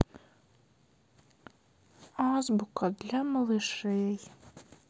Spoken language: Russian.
азбука для малышей